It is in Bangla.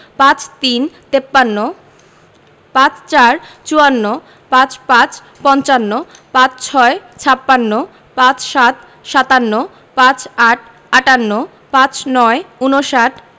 ৫৩ - তিপ্পান্ন ৫৪ - চুয়ান্ন ৫৫ – পঞ্চান্ন ৫৬ – ছাপ্পান্ন ৫৭ – সাতান্ন ৫৮ – আটান্ন ৫৯ - ঊনষাট